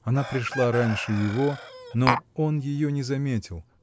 Она пришла раньше его, но он ее не заметил